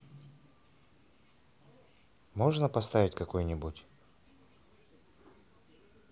можно поставить какой нибудь